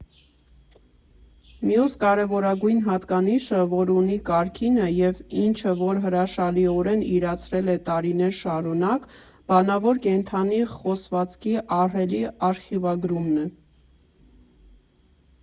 Մյուս կարևորագույն հատկանիշը, որ ունի Կարգինը և ինչը որ հրաշալիորեն իրացրել է տարիներ շարունակ՝ բանավոր կենդանի խոսվածքի ահռելի արխիվագրումն է։